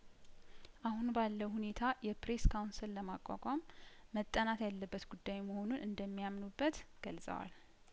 አሁን ባለው ሁኔታ የፕሬስ ካውንስል ለማቋቋም መጠናት ያለበት ጉዳይ መሆኑን እንደሚያም ኑበት ገልጸዋል